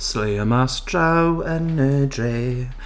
Sleio mas draw yn y dre.